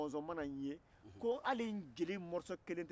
ni i ma kɛ donso ye i tɛ teri sɔrɔ i yɛrɛla